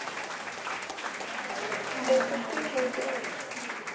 это ты мой друг